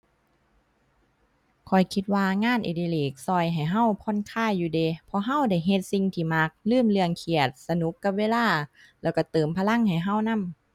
ข้อยคิดว่างานอดิเรกช่วยให้ช่วยผ่อนคลายอยู่เดะ เพราะช่วยได้เฮ็ดสิ่งที่มัก ลืมเรื่องเครียด สนุกกับเวลา แล้วช่วยเติมพลังให้ช่วยนำ